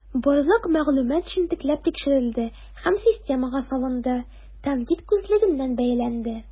Барлык мәгълүмат җентекләп тикшерелде һәм системага салынды, тәнкыйть күзлегеннән бәяләнде.